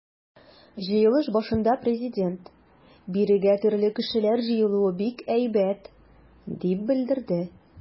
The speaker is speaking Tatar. Җыелыш башында Президент: “Бирегә төрле кешеләр җыелуы бик әйбәт", - дип белдерде.